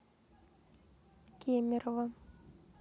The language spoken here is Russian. кемерово